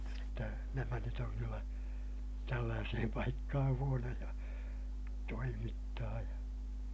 jotta nämä nyt on kyllä tällaiseen paikkaan huonoja toimittaa ja